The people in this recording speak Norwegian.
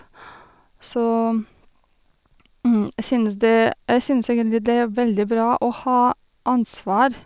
Så jeg synes det jeg synes egentlig det er veldig bra å ha ansvar.